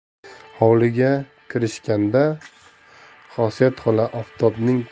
hovliga kirishganda xosiyat xola oftobning